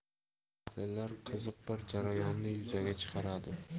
tahlillar qiziq bir jarayonni yuzaga chiqardi